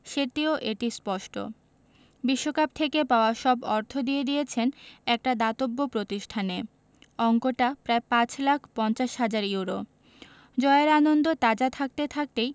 সেটিও এতে স্পষ্ট বিশ্বকাপ থেকে পাওয়া সব অর্থ দিয়ে দিয়েছেন একটা দাতব্য প্রতিষ্ঠানে অঙ্কটা প্রায় ৫ লাখ ৫০ হাজার ইউরো জয়ের আনন্দ তাজা থাকতে থাকতেই